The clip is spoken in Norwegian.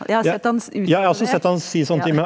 jeg har sett han ja.